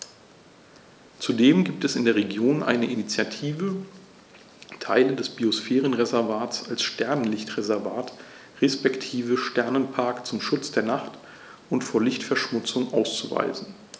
Zudem gibt es in der Region eine Initiative, Teile des Biosphärenreservats als Sternenlicht-Reservat respektive Sternenpark zum Schutz der Nacht und vor Lichtverschmutzung auszuweisen.